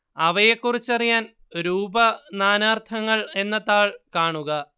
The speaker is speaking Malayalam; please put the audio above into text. അവയെക്കുറിച്ചറിയാൻ രൂപ നാനാർത്ഥങ്ങൾ എന്ന താൾ കാണുക